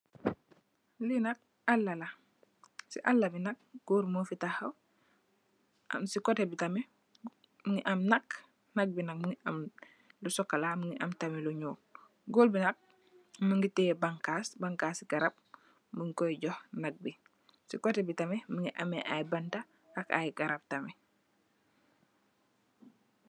Li nak aaala si aala bi nak gorr mofi taxaw am si kote tamit mongi am naak naak bi nak mongi am lu cxocola mongi am tamit lu nuul goor bi nak mongi tiye banxas banxasi garab mung koi jox naak bi si kote bi tamit mongi ame ay banta ak ay garab tamit.